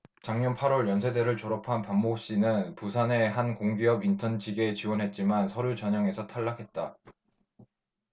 작년 팔 월 연세대를 졸업한 박모씨는 부산의 한 공기업 인턴 직에 지원했지만 서류 전형에서 탈락했다